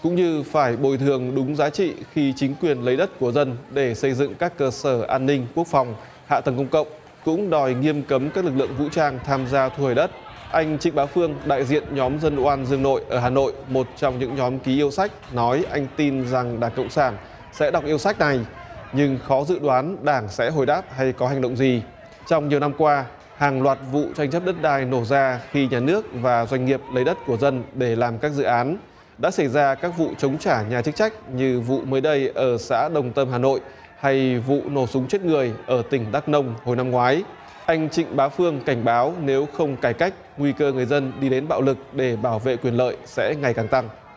cũng như phải bồi thường đúng giá trị khi chính quyền lấy đất của dân để xây dựng các cơ sở an ninh quốc phòng hạ tầng công cộng cũng đòi nghiêm cấm các lực lượng vũ trang tham gia thu hồi đất anh trịnh bá phương đại diện nhóm dân oan dương nội ở hà nội một trong những nhóm ký yêu sách nói anh tin rằng đảng cộng sản sẽ đọc yêu sách này nhưng khó dự đoán đảng sẽ hồi đáp hay có hành động gì trong nhiều năm qua hàng loạt vụ tranh chấp đất đai nổ ra khi nhà nước và doanh nghiệp lấy đất của dân để làm các dự án đã xảy ra các vụ chống trả nhà chức trách như vụ mới đây ở xã đồng tâm hà nội hay vụ nổ súng chết người ở tỉnh đắc nông hồi năm ngoái anh trịnh bá phương cảnh báo nếu không cải cách nguy cơ người dân đi đến bạo lực để bảo vệ quyền lợi sẽ ngày càng tăng